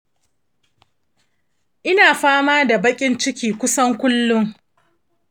ina fama da baƙin ciki kusan kullum